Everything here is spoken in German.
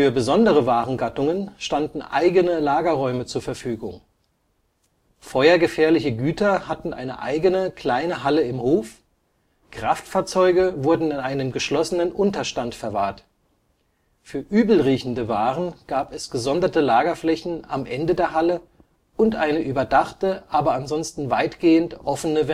besondere Warengattungen standen eigene Lagerräume zur Verfügung: Feuergefährliche Güter hatten eine eigene kleine Halle im Hof, Kraftfahrzeuge wurden in einem geschlossenen Unterstand verwahrt, für übelriechende Waren gab es gesonderte Lagerflächen am Ende der Halle und eine überdachte, aber ansonsten weitgehend offene